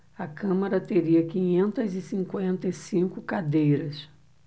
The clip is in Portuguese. a câmara teria quinhentas e cinquenta e cinco cadeiras